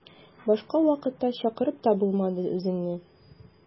Башка вакытта чакырып та булмады үзеңне.